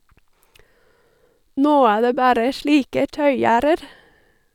Nå er det bare slike taugjerder.